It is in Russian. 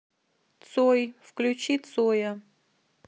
цой включи цоя